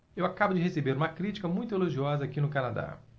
eu acabo de receber uma crítica muito elogiosa aqui no canadá